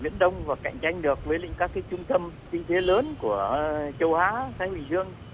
viễn đông và cạnh tranh được với lại các cái trung tâm kinh tế lớn của châu á thái bình dương